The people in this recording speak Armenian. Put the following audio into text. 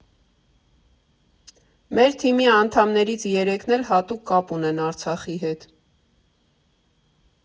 Մեր թիմի անդամներից երեքն էլ հատուկ կապ ունեն Արցախի հետ.